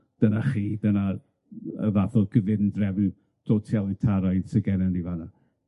dyna chi, dyna yy y fath o gyfundrefn totialitaraidd sydd gennyn ni fan 'na.